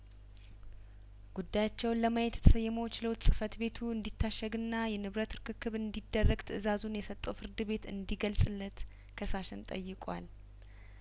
ጉዳያቸውን ለማየት የተሰየመው ችሎት ጽፈት ቤቱ እንዲታሸግና የንብረት ርክክብ እንዲደረግ ትእዛዙን የሰጠው ፍርድ ቤት እንዲገልጽለት ከሳሽን ጠይቋል